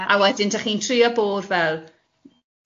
...a wedyn 'dych chi'n trio bod fel,